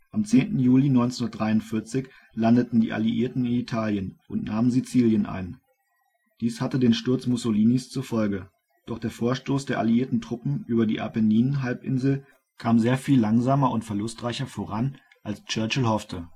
Am 10. Juli 1943 landeten die Alliierten in Italien und nahmen Sizilien ein. Dies hatte den Sturz Mussolinis zur Folge. Doch der Vorstoß der alliierten Truppen über die Apenninhalbinsel kam sehr viel langsamer und verlustreicher voran, als Churchill hoffte